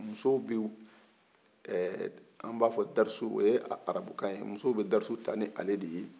muso bɛ ɛɛ an b'a fɔ darisu o ye arabukan ye muso bɛ darisu ta ni ale de ye